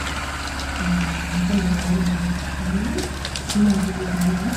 Og den ble jeg ferdig med i fjor, sommeren to tusen og elleve.